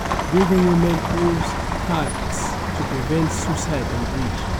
Grieving women post cards to prevent suicides on bridge